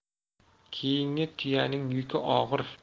keyingi tuyaning yuki og'ir